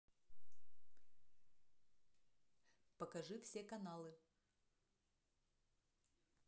покажи все каналы